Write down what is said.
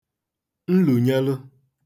nlùnyelụ